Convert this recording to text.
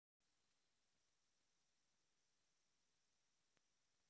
умный ребенок